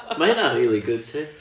ma' hynna'n rili good tip